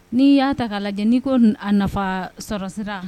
N'i y'a ta k'a lajɛ n'i ko a nafa sɔrɔsira